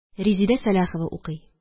Резедә Сәләхова